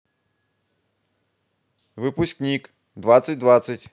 выпускник двадцать двадцать